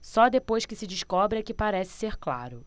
só depois que se descobre é que parece ser claro